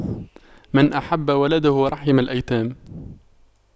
من أحب ولده رحم الأيتام